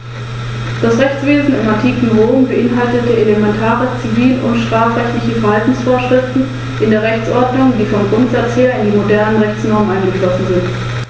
Im Gegensatz dazu haben Rattenigel keine Stacheln und erwecken darum einen eher Spitzmaus-ähnlichen Eindruck.